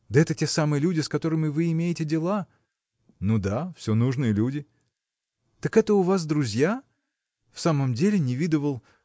да это те самые люди, с которыми вы имеете дела. – Ну да; всё нужные люди. – Так это у вас друзья? В самом деле не видывал